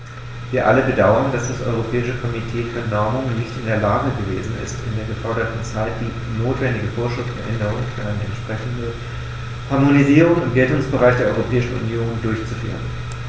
Wir alle bedauern, dass das Europäische Komitee für Normung nicht in der Lage gewesen ist, in der geforderten Zeit die notwendige Vorschriftenänderung für eine entsprechende Harmonisierung im Geltungsbereich der Europäischen Union durchzuführen.